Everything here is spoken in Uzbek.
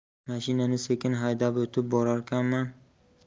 mashinani sekin haydab o'tib borarkanman